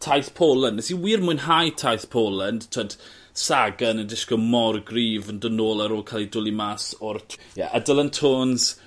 taith Poland. Nes i wir mwynhau taith Poland t'wod Sagan yn dishgwl mor gryf yn do' nôl ar ôl ca'l ei dwli mas o'r T- ie a Dylan Teuns